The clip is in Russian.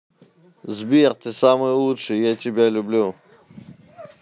сбер ты самый лучший я тебя люблю